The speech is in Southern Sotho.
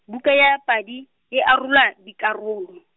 buka ya, padi, e arolwa, dikgaolo.